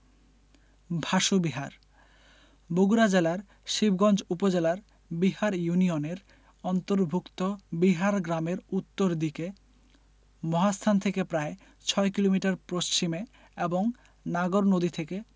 ভাসু বিহার বগুড়া জেলার শিবগঞ্জ উপজেলার বিহার ইউনিয়নের অন্তর্ভুক্ত বিহার গ্রামের উত্তর দিকে মহাস্থান থেকে প্রায় ৬ কিলোমিটার পশ্চিমে এবং নাগর নদী থেকে